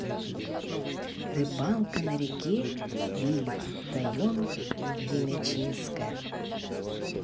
рыбалка на реке вильва район гремячинска